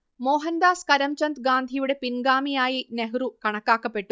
മോഹൻദാസ് കരംചന്ദ് ഗാന്ധിയുടെ പിൻഗാമിയായി നെഹ്രു കണക്കാക്കപ്പെട്ടു